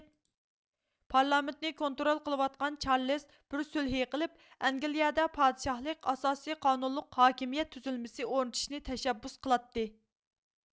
پارلامېنتنى كونترول قىلىۋاتقان چارلىز بىر سۈلھى قىلىپ ئەنگىلىيىدە پادىشاھلىق ئاساسىي قانۇنلۇق ھاكىمىيەت تۈزۈلمىسى ئورنىتىشنى تەشەببۇس قىلاتتى